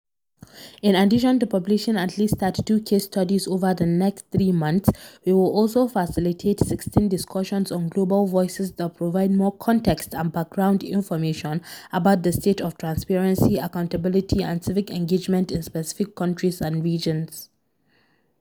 In addition to publishing at least 32 case studies over the next three months, we will also facilitate 16 discussions on Global Voices that provide more context and background information about the state of transparency, accountability and civic engagement in specific countries and regions.